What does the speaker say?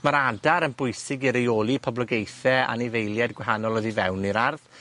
Ma'r adar yn bwysig i reoli poblogaethe anifeilied gwahanol oddi fewn i'r ardd.